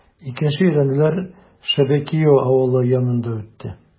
Икенче өйрәнүләр Шебекиио авылы янында үтте.